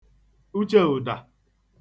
ucheụ̀dà